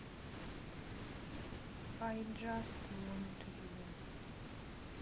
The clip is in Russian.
ай джаст вонт ю